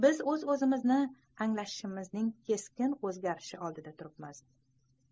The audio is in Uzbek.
biz o'z o'zimizni anglashimizning keskin o'zgarishi oldida turibmiz